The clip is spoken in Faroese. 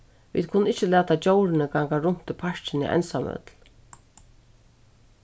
vit kunnu ikki lata djórini ganga runt í parkini einsamøll